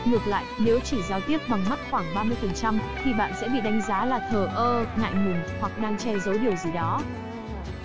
ngược lại nếu chỉ giao tiếp bằng mắt khoảng phần trăm thì bạn sẽ bị đánh giá là thờ ơ ngại ngùng hoặc đang che giấu điều gì đó